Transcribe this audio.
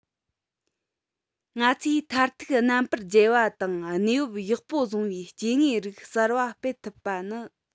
ང ཚོས མཐར ཐུག རྣམ པར རྒྱལ བ དང གནས བབ ཡག པོ བཟུང བའི སྐྱེ དངོས རིགས གསར པ སྤེལ ཐུབ པ ནི